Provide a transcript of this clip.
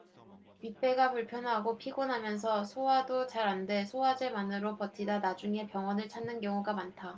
윗배가 불편하고 피곤하면서 소화도 잘 안 돼 소화제만으로 버티다 나중에 병원을 찾는 경우가 많다